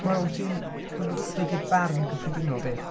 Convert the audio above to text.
Wel wyt ti'n... b- b- be di barn gyffredinol di?